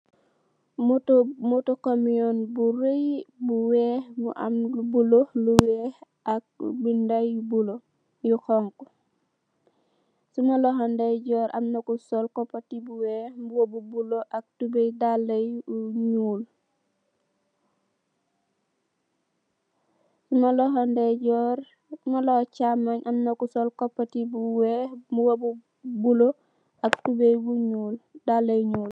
moto moto comyun bu weex bu reyy mu am lu bulo lu weex ak binda yu bulo yu xonxu suma loho ndeyjoor amna ku sol kopati bu weex mbuba yu bulo ak tubeyvdala yu nyool suma loho chamonj amna ku sol kopati bu weer mbuba bu bulo ak tubey bu nyool dala yu nyool